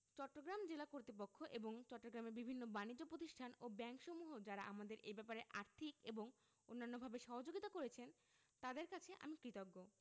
চট্টগ্রাম জেলা কর্তৃপক্ষ এবং চট্টগ্রামের বিভিন্ন বানিজ্য প্রতিষ্ঠান ও ব্যাংকসমূহ যারা আমাদের এ ব্যাপারে আর্থিক এবং অন্যান্যভাবে সহযোগিতা করেছেন তাঁদের কাছে আমি কৃতজ্ঞ